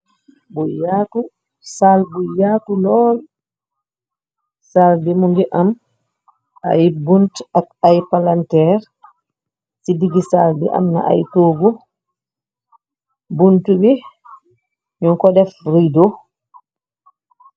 Bu yaatu sal bu yaaku lool sal bi mu ngi am ay bunt ak ay palanteer ci diggi sal bi amna ay toogu bunt bi ñu ko def rido.